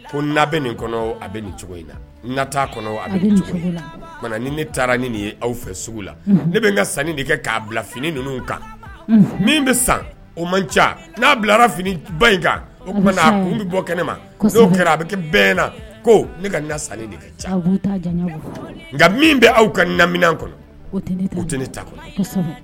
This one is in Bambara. Ko labɛn nin kɔnɔ a bɛ nin cogo in na na kɔnɔ ni ne taara ni nin ye aw fɛ sugu la ne bɛ n ka sanni de kɛ' bila fini ninnu kan min bɛ san o man ca n'aw bilara fini ba in kan o n bɛ bɔ kɛnɛ ma kɛra a bɛ kɛ bɛn na ko ne ka de kɛ nka min bɛ aw ka kɔnɔ tɛ ne ta